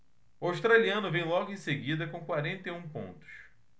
o australiano vem logo em seguida com quarenta e um pontos